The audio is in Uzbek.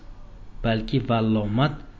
balki vallomat